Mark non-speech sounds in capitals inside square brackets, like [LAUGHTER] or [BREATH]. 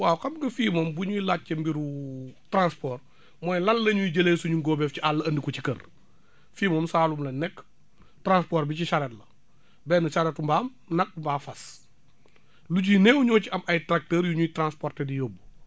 waaw xam nga fii moom bu ñuy laaj ci mbiru [HESITATION] transport [BREATH] mooy lan la ñuy jëlee suñu ngóobéeef ci àll andi ko ci kër fii moom Saloum lañ nekk transport bi ci charette la benn charette mbaam nag mbaa fas lu ciy néew ñoo ci am ay tracteurs yu ñuy transporter di yóbbu